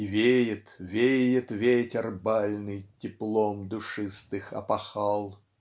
И веет, веет ветер бальный Теплом душистых опахал.